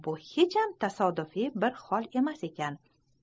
bu hecham tasodifiy bir hol emas ekan